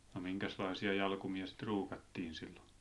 no minkäslaisia jalkuimia sitä ruukattiin silloin